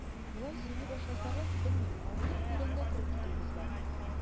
Болай сөйли башласагыз, белмим, артык тирәнгә кереп китүебез бар.